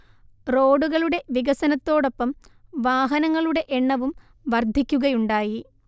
റോഡുകളുടെ വികസനത്തോടൊപ്പം വാഹനങ്ങളുടെ എണ്ണവും വർധിക്കുകയുണ്ടായി